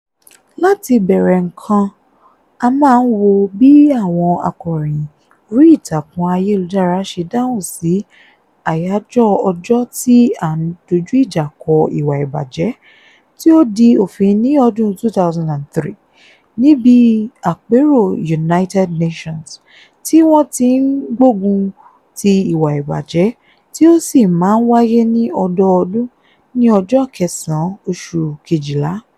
Láti bẹ̀rẹ̀ nǹkan a máa ń wo bí àwọn akọ̀ròyìn orí ìtàkùn ayélujára ṣe dáhùn sí àyájọ́ ọjọ́ tí à ń dójú ìjà kọ ìwà ibajẹ, tí ó di òfin ní ọdún 2003 níbi àpérò United Nations tí wọ́n tí ń gbógun ti ìwà ìbàjẹ́ tí ó sì máa ń wáyé ní ọdọọdún ní ọjọ́ kẹsàn-án oṣù Kejìlá.